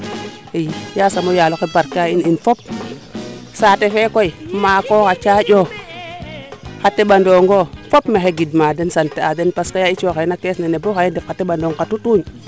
i yasam o yaaloxe a barke a in in fop saate fe koy maako xa caanjo xa teɓonoo ngo fop maxey gidma den sant a den parce ya i coxeena caisse nene bo xaye ndef xa teɓanong xa tutuñ